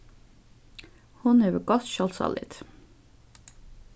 hon hevur gott sjálvsálit